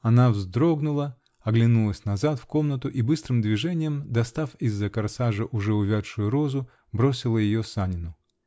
Она вздрогнула, оглянулась назад, в комнату, -- и быстрым движением, достав из-за корсажа уже увядшую розу, бросила ее Санину.